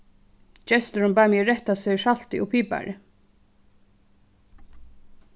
gesturin bað meg rætta sær saltið og piparið